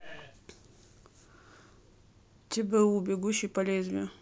чбу бегущий по лезвию